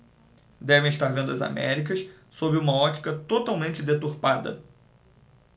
devem estar vendo as américas sob uma ótica totalmente deturpada